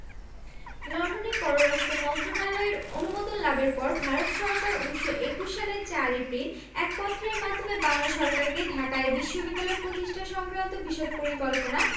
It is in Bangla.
লন্ডনে পররাষ্ট্র মন্ত্রণালয়ের অনুমোদন লাভের পর ভারত সরকার ১৯২১ সালের ৪ এপ্রিল এক পত্রের মাধ্যমে বাংলা সরকারকে ঢাকায় বিশ্ববিদ্যালয় প্রতিষ্ঠা সংক্রান্ত বিশদ পরিকল্পনা